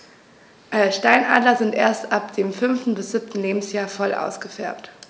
Steinadler sind erst ab dem 5. bis 7. Lebensjahr voll ausgefärbt.